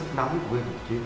thì